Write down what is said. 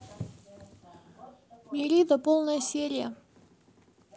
мирида полная серия